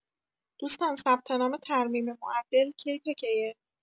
دوستان ثبت‌نام ترمیم معدل کی تا کیه؟